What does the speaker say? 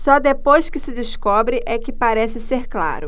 só depois que se descobre é que parece ser claro